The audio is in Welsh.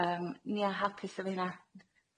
Yym Nia yn hapus efo hynna?